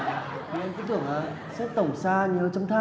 vì em cứ tưởng là xếp tổng xa nhớ chấm than